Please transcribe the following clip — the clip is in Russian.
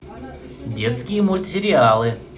детские мультсериалы